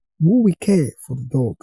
Who will care for the dog?